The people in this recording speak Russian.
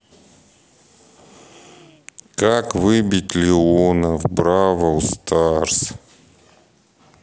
как выбить леона в бравл старс